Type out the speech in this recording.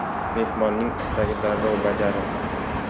mehmonning istagi darrov bajarildi